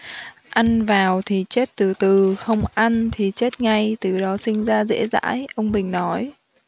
ăn vào thì chết từ từ không ăn thì chết ngay từ đó sinh ra dễ dãi ông bình nói